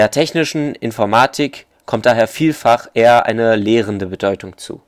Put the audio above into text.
technischen Informatik kommt daher vielfach eher eine lehrende Bedeutung zu